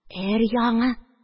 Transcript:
Өр-яңы...